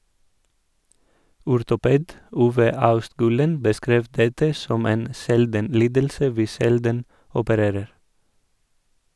Ortoped Ove Austgulen beskrev dette som en "sjelden lidelse vi sjelden opererer".